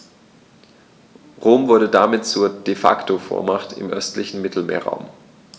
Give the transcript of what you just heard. Rom wurde damit zur ‚De-Facto-Vormacht‘ im östlichen Mittelmeerraum.